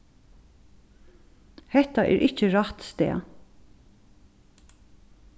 hetta er ikki rætt stað